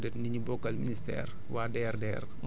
di sant suñu collaborateurs yi nekk ci région bi